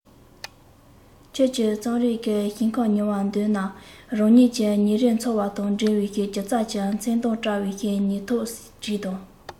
ཁྱོད ཀྱིས རྩོམ རིག གི ཞིང ཁམས ཉུལ བར འདོད ན རང ཉིད ཀྱི ཉིན རེའི འཚོ བ དང འབྲེལ བའི སྒྱུ རྩལ གྱི མཚན མདངས བཀྲ བའི ཉིན ཐོ བྲིས དང